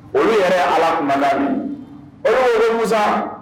Olu yɛrɛ ye Ala olu ko Musa